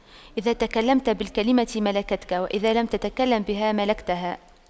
إذا تكلمت بالكلمة ملكتك وإذا لم تتكلم بها ملكتها